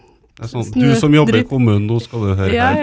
det er sånn du som jobber i kommunen nå skal du høre her.